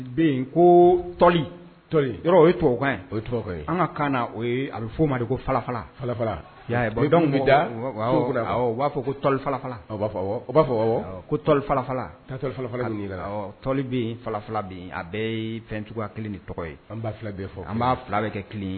Bɛ ko tɔ yɔrɔ o ye tɔgɔ o ye tɔgɔ ye an ka kaana o a bɛ fɔo ma de kola bɛ da u b'a fɔ kolila b'a fɔ b'a fɔ kola bɛ fila a bɛ fɛn cogoya kelen ni tɔgɔ ye an fila bɛ fɔ an' fila bɛ kɛ kelen ye